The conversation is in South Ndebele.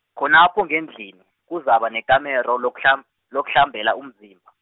khonapho ngendlini, kuzaba nekamero lokihlam-, lokuhlambela umzimba.